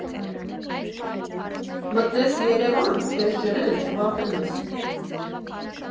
Մտնես Երևան, քեզ ջրեն՝ չվախենաս։